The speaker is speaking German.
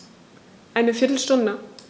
Eine viertel Stunde